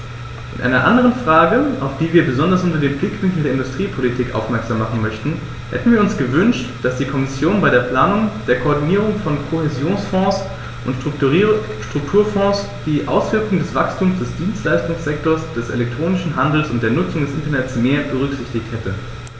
In einer anderen Frage, auf die wir besonders unter dem Blickwinkel der Industriepolitik aufmerksam machen möchten, hätten wir uns gewünscht, dass die Kommission bei der Planung der Koordinierung von Kohäsionsfonds und Strukturfonds die Auswirkungen des Wachstums des Dienstleistungssektors, des elektronischen Handels und der Nutzung des Internets mehr berücksichtigt hätte.